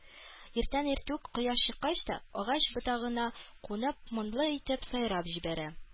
Иртән-иртүк, кояш чыккач та, агач ботагына кунып моңлы итеп сайрап җибәрә